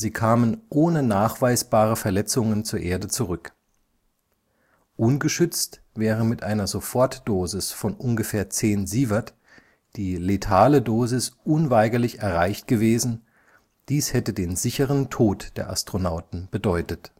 kamen ohne nachweisbare Verletzungen zur Erde zurück. Ungeschützt wäre mit einer Sofortdosis von ≈10 Sv die letale Dosis unweigerlich erreicht gewesen, dies hätte den sicheren Tod der Astronauten bedeutet